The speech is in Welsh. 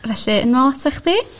felly yn ôl ata chdi.